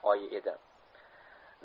may oyi edi